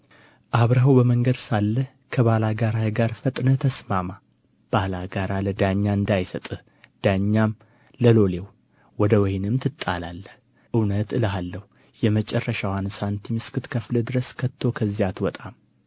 አብረኸው በመንገድ ሳለህ ከባላጋራህ ጋር ፈጥነህ ተስማማ ባላጋራ ለዳኛ እንዳይሰጥህ ዳኛም ለሎሌው ወደ ወህኒም ትጣላለህ እውነት እልሃለሁ የመጨረሻዋን ሳንቲም እስክትከፍል ድረስ ከቶ ከዚያ አትወጣም